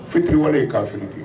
Fitiriwale ye kafiri de ye